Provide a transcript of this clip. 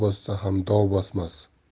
bossa ham dov bosmas